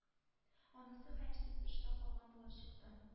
Анысы хәерсез тышта калган булып чыкты